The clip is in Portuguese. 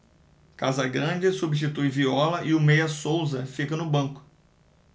casagrande substitui viola e o meia souza fica no banco